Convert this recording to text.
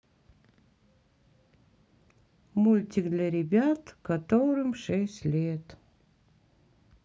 мультик для ребят которым шесть лет